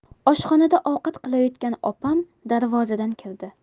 oshxonada ovqat qilayotgan opam darvozadan kirdi